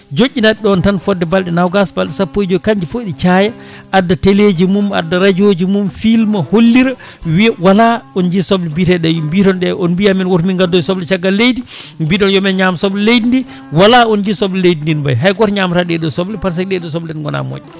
joƴƴinat ɗon tan fodde balɗe nogas balɗe sappo e jooyi kanƴƴe fo ɗe caaya adda télè ji mum adda radio ji mum filme a hollira wiiya voilà on jii soble mbiyeteɗe yo ɗe mbiye toon ɗe on mbiya amen woto min goddoy soble caggal leydi mbiɗon yo min ñaam soble leydi ndi voilà on jii soble leydi ndi no mbayi haygoto ñaamata ɗeɗo soble par ce que ɗeɗo sble ɗe goona moƴƴe